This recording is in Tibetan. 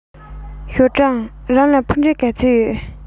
ཞའོ ཀྲང རང ལ ཕུ འདྲེན ག ཚོད ཡོད